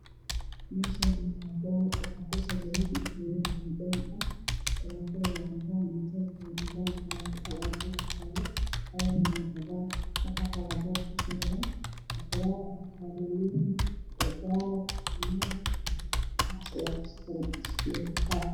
Meshaan waa boor waxaa ku sawiran makiinad cabitaan ah garafad waa cadaan matooraku waa cadaan garaafo kale aya dhulak taalo adune waa cadaan waxaa kaloo borak kusawiran qudaar afkaadho liin babaay canab waxaas ayaa ku sawiran tufaax